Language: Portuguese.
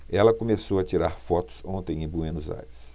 ela começou a tirar fotos ontem em buenos aires